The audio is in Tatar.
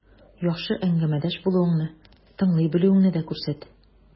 Яхшы әңгәмәдәш булуыңны, тыңлый белүеңне дә күрсәт.